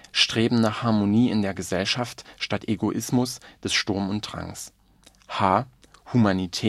Streben nach Harmonie in der Gesellschaft statt Egoismus des Sturm und Drangs Humanität